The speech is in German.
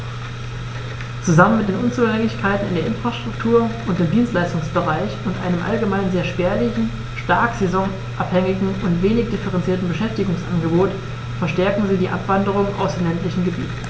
Zusammen mit den Unzulänglichkeiten in der Infrastruktur und im Dienstleistungsbereich und einem allgemein sehr spärlichen, stark saisonabhängigen und wenig diversifizierten Beschäftigungsangebot verstärken sie die Abwanderung aus den ländlichen Gebieten.